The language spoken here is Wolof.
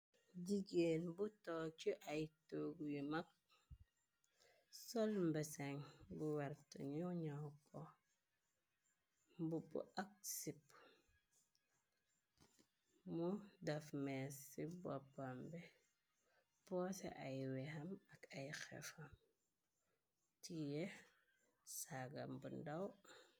Jigeen bu took ci ay toggu yu mag sol mbesen bu werta ñu ñyaw ko mbubu ak sipa mu daf mees ci boppambe poose ay weexam ak ay xeefam tie saggam bu ndaw.